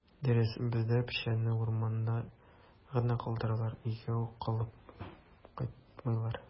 Дөрес, бездә печәнне урманда гына калдыралар, өйгә үк алып кайтмыйлар.